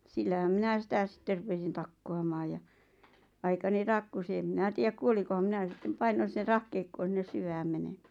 sillähän minä sitä sitten rupesin takkuamaan ja aikani takkusin en minä tiedä kuoliko vaan minä sitten painoin sinne rahkeikkoon sinne syvään menemään